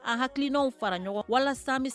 A hakilinaw fara ɲɔgɔn walasa